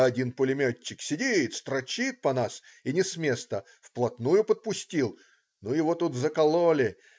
А один пулеметчик сидит, строчит по нас и ни с места. Вплотную подпустил. Ну, его тут закололи.